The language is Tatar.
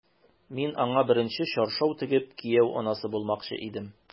Мин аңа беренче чаршау тегеп, кияү анасы булмакчы идем...